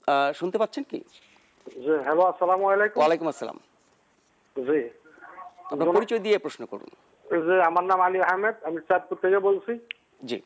শুনতে পাচ্ছেন কি হ্যালো আসসালামু আলাইকুম ওয়ালাইকুম আসসালাম জি আপনার পরিচয় দিয়ে প্রশ্ন করুন জি আমার নাম আলী আহমেদ আমি চাঁদপুর থেকে বলছি জি